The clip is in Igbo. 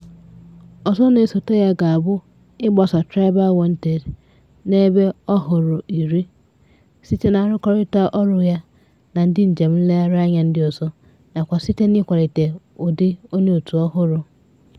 Ọzọ na-esote ya ga-abụ ịgbasa TribeWanted n'ebe ọhụrụ iri, site na nrụkọrịta ọrụ ya na ndị njem nlereanya ndị ọzọ nakwa site n'ịkwalite ụdị onyeòtù ọhụrụ.